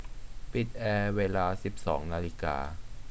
ปิดแอร์เวลาสิบสองนาฬิกา